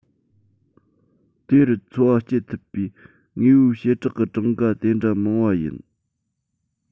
དེ རུ འཚོ བ སྐྱེལ ཐུབ པའི དངོས པོའི བྱེ བྲག གི གྲངས ཀ དེ འདྲ མང བ ཡིན